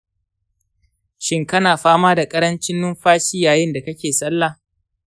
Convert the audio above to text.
shin kana fama da ƙarancin numfashi yayin da kake sallah?